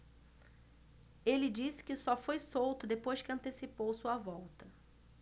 ele disse que só foi solto depois que antecipou sua volta